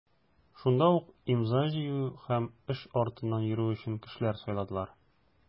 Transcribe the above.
Шунда ук имза җыю һәм эш артыннан йөрү өчен кешеләр сайладылар.